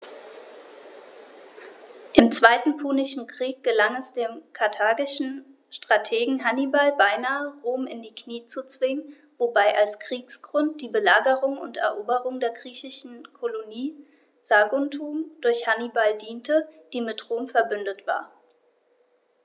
Im Zweiten Punischen Krieg gelang es dem karthagischen Strategen Hannibal beinahe, Rom in die Knie zu zwingen, wobei als Kriegsgrund die Belagerung und Eroberung der griechischen Kolonie Saguntum durch Hannibal diente, die mit Rom „verbündet“ war.